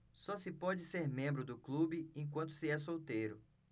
só se pode ser membro do clube enquanto se é solteiro